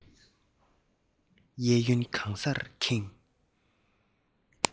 གཡས གཡོན གང སར ཁེངས